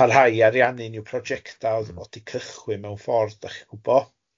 Parha i ariannu'n yw projecta oedd mod i cychwyn mewn ffordd dach gwybo. M-hm.